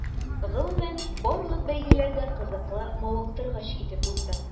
Гомумән, барлык бәйгеләр дә кызыклы, мавыктыргыч итеп узды.